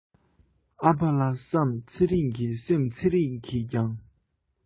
ཨ ཕ ལ བསམ ཚེ རིང གི སེམས ཚེ རིང གིས ཀྱང